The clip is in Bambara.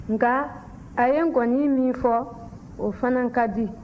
nka a ye nkɔni min fɔ o fana ka di